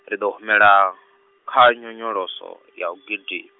ri ḓo humela , kha nyonyoloso, ya u gidi-.